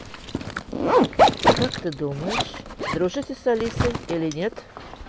и как ты думаешь дружите с алисой или нет